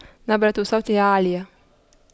نبرة صوته عالية